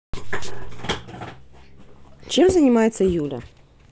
чем занимается юля